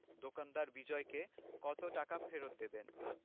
দোকানদার বিজয়কে কত টাকা ফেরত দেবেন